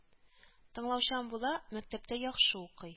Тыңлаучан була, мәктәптә яхшы укый